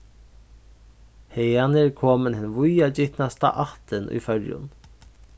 haðani er komin hin víðagitnasta ættin í føroyum